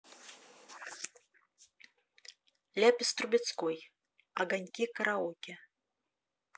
ляпис трубецкой огоньки караоке